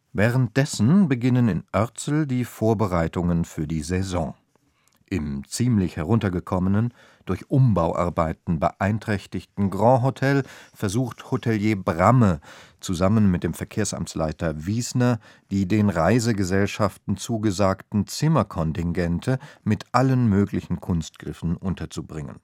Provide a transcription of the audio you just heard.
Währenddessen beginnen in Oertzl die Vorbereitungen für die Saison. Im ziemlich heruntergekommenen, durch Umbauarbeiten beeinträchtigten Grand-Hotel versucht Hotelier Bramme zusammen mit dem Verkehrsamtsleiter Wiesner die den Reisegesellschaften zugesagten Zimmerkontingente mit allen möglichen Kunstgriffen unterzubringen